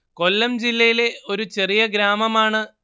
കൊല്ലം ജില്ലയിലെ ഒരു ചെറിയ ഗ്രാമമാണ്